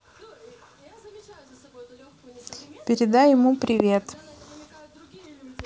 передай ему привет